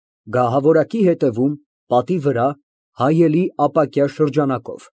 Գահավորակի հետևում, պատի վրա հայելի ապակյա շրջանակով։